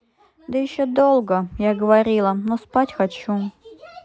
да еще долго я говорила но спать хочу